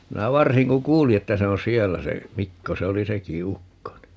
minä varsin kun kuulin että se on siellä se Mikko se oli sekin ukko niin